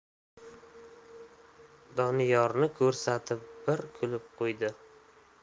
doniyorni ko'rsatib bir kulib qo'ydi